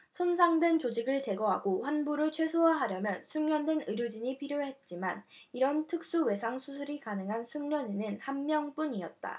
손상된 조직을 제거하고 환부를 최소화하려면 숙련된 의료진이 필요했지만 이런 특수외상 수술이 가능한 숙련의는 한 명뿐이었다